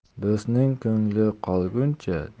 do'stning ko'ngli qolguncha